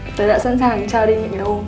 tớ đã sẵn sàng cho đi